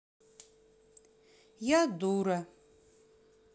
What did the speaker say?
я дура